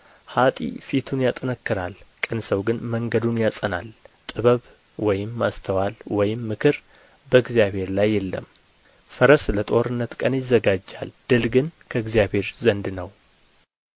ኀጥእ ፊቱን ያጠነክራል ቅን ሰው ግን መንገዱን ያጸናል ጥበብ ወይም ማስተዋል ወይም ምክር በእግዚአብሔር ላይ የለም ፈረስ ለጦርነት ቀን ይዘጋጃል ድል ግን ከእግዚአብሔር ዘንድ ነው